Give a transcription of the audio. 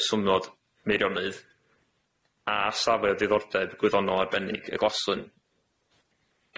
yslynod Meirionnydd, a safle o diddordeb gwyddonol arbennig y Glaslyn.